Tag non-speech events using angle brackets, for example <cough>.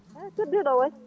<hesitation> no cuddiɗo o wawɗi